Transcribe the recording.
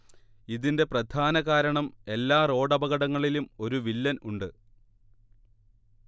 ഇതിന്റെ പ്രധാന കാരണം എല്ലാ റോഡപകടങ്ങളിലും ഒരു വില്ലൻ ഉണ്ട്